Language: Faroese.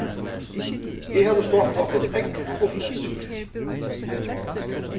eg havi stokt okkum egg og flesk